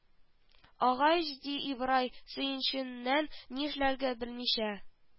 Агач ди ибрай сөенеченнән нишләргә белмичә